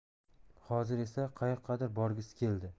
hozir esa qayoqqadir borgisi keldi